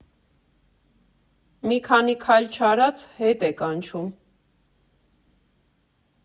Մի քանի քայլ չարած՝ հետ է կանչում.